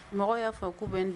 Mɔgɔ y'a fɔ ko bɛ di